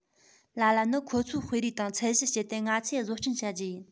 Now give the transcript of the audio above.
ལ ལ ནི ཁོ ཚོའི དཔེ རིས དང ཚད གཞི སྤྱད དེ ང ཚོས བཟོ སྐྲུན བྱ རྒྱུ ཡིན